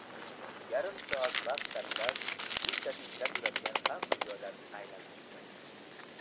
yarim soat vaqt sarflab yuk tashuvchilar yuradigan hamma joylarni aylanib chiqdim